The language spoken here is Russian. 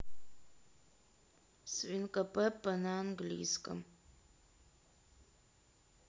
свинка пеппа на английском